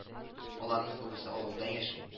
Аларның күбесе авылда яши